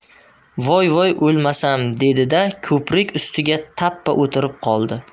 voy voy o'lmasam dedi da ko'prik ustiga tappa o'tirib qoldi